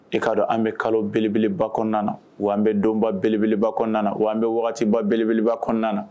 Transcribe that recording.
E k'a don an bɛ kalo belebeleba kɔnɔna na, wa an bɛ donba belebeleba kɔnɔna na, wa an'an bɛ wagatiba belebeleba kɔnɔna na